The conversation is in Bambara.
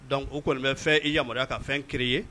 Dɔnkuc o kɔni bɛ fɛn yamaruyaya ka fɛn kire ye